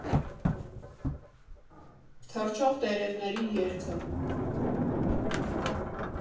Թռչող տերևների երգը։